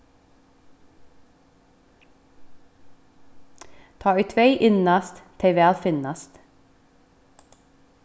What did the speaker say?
tá ið tvey ynnast tey væl finnast